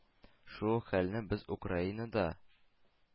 Шул ук хәлне без Украинада,